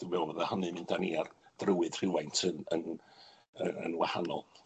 dwi'n meddwl fydda hynny'n mynd â ni ar drywydd rhywfaint yn yn yy yn wahanol.